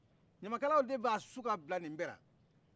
jamakalaw de b'a su ka bilani bɛla